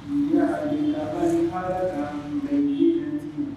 Miniyan magɛningɛnin